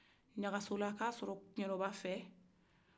ɲakasola ka sɔrɔ kiɲɛrɔba fɛ